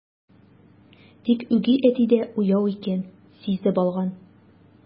Тик үги әти дә уяу икән, сизеп алган.